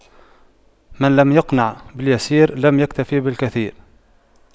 من لم يقنع باليسير لم يكتف بالكثير